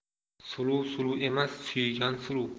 suluv suluv emas suygan suluv